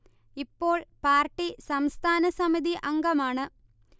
ഇപ്പോൾ പാർട്ടി സംസ്ഥാന സമിതി അംഗമാണ്